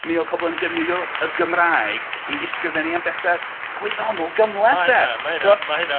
Mi oedd pobl yn defnyddio y Gymraeg i ysgrifennu am bethau gwyddonol gymhleth 'de... Mae hynna... mae hynna... mae hynna....